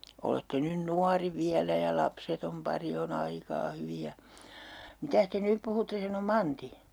olette nyt nuori vielä ja lapseton pari on aikaa hyvin ja mitäs te nyt puhutte sanoi Manti